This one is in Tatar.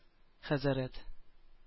Хәзрәт